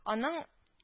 Аның